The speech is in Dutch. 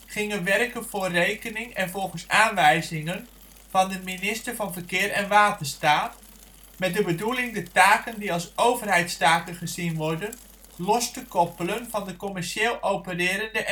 gingen werken voor rekening en volgens aanwijzingen van de minister van Verkeer en Waterstaat, met de bedoeling de taken die als overheidstaken gezien worden los te koppelen van de commercieel opererende